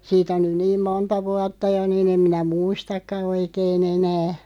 siitä on nyt niin monta vuotta jo niin en minä muistakaan oikein enää